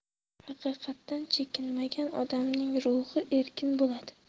haqiqatdan chekinmagan odamning ruhi erkin bo'ladi